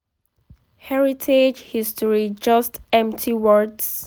Heritage history—just empty words